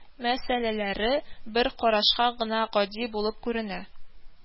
Мәсьәләләре бер карашка гына гади булып күренә